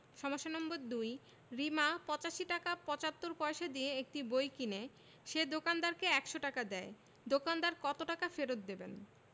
সমস্যা নম্বর ২ রিমা ৮৫ টাকা ৭৫ পয়সা দিয়ে একটি বই কিনে সে দোকানদারকে ১০০ টাকা দেয় দোকানদার কত টাকা ফেরত দেবেন